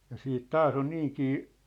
ja sitten taas on niinkin